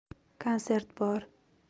konsert bor